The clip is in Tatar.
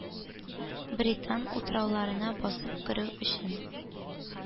Британ утрауларына басып керү өчен...